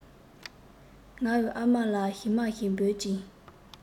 ངའི ཨ མ ལ ཞི མ ཞེས འབོད ཅིང